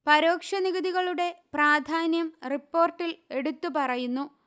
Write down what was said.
പരോക്ഷ നികുതികളുടെ പ്രാധാന്യം റിപ്പോർട്ടിൽ എടുത്തു പറയുന്നു